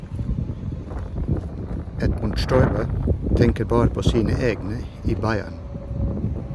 Edmund Stoiber tenker bare på sine egne i Bayern.